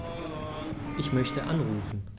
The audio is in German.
Ich möchte anrufen.